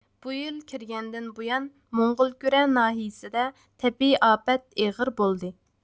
بۇ يىل كىرگەندىن بۇيان موڭغۇلكۈرە ناھىيىسىدە تەبىئىي ئاپەت ئېغىر بولدى